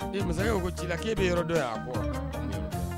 Masakɛ ko ci la k'i bɛ yɔrɔ dɔn yan kɔ